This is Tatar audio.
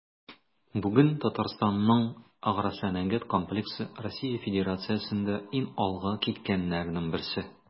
Бүген Татарстанның агросәнәгать комплексы Россия Федерациясендә иң алга киткәннәрнең берсе.